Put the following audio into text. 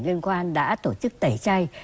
liên quan đã tổ chức tẩy chay